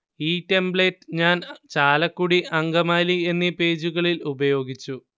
ഈ ടെമ്പ്ലേറ്റ് ഞാൻ ചാലക്കുടി അങ്കമാലി എന്നീ പേജുകളിൽ ഉപയോഗിച്ചു